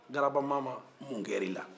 garabamama mun kɛra i la